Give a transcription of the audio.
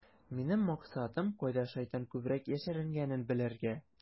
Минем максатым - кайда шайтан күбрәк яшеренгәнен белергә.